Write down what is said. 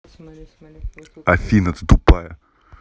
афина ты тупая